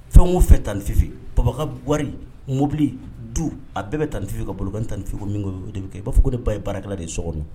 Fɛn' fɛ tan ni fifin pa ga mobili du a bɛɛ bɛ tanfifin ka bolokan tan nifinku min o de bɛ kɛ i b'a fɔ ne ba ye baarakɛ de so kɔnɔ